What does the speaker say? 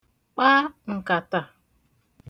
kpa ǹkàtà